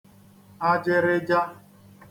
-ajịrịja